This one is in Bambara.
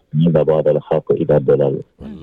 Ni baba la ha i' bɔ la